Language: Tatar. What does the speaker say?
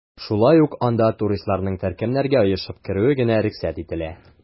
Шулай ук анда туристларның төркемнәргә оешып керүе генә рөхсәт ителә.